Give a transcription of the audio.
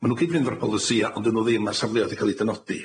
Ma' nw cyd-fyna â'r polisia ond 'dy nw ddim ar safloedd wedi ca'l 'i dynodi.